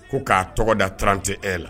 Ko k'a tɔgɔ da tran tɛ e la